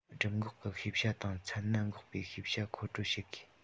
སྦྲུམ འགོག གི ཤེས བྱ དང མཚན ནད འགོག པའི ཤེས བྱ མཁོ སྤྲོད བྱེད དགོས